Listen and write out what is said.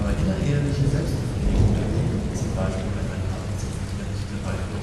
innereheliche Selbstbefriedigung dagegen (z. B. wenn ein Partner zum Verkehr nicht bereit oder